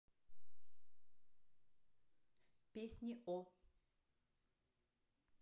песни о